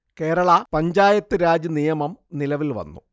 കേരളാ പഞ്ചായത്ത് രാജ് നിയമം നിലവിൽ വന്നു